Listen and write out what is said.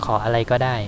ขออะไรก็ได้